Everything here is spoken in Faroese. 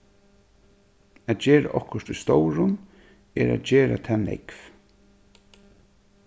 at gera okkurt í stórum er at gera tað nógv